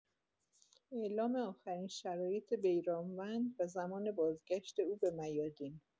اعلام آخرین شرایط بیرانوند و زمان بازگشت او به میادین